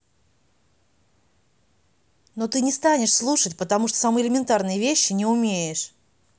но ты не станешь слушай потому что самые элементарные вещи не умеешь